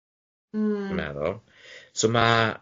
mm meddwl so ma'